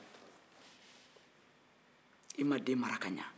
e ma den mara ka ɲɛ